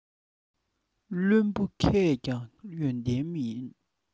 བླུན པོ མཁས ཀྱང ཡོན ཏན མིན